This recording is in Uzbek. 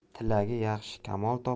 tilagi yaxshi kamol